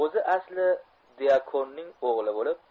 o'zi asli dyakonning o'g'li bo'lib